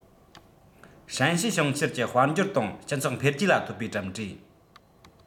ཧྲན ཞི ཞིང ཆེན གྱི དཔལ འབྱོར དང སྤྱི ཚོགས འཕེལ རྒྱས ལ ཐོབ པའི གྲུབ འབྲས